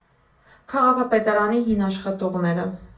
Քաղաքապետարանի հին աշխատողները։